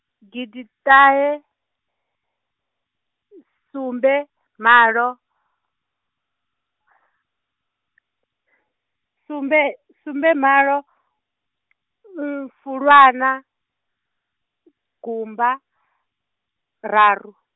giditahe- sumbe malo , sumbe, sumbe malo , Fulwana, gumba, raru.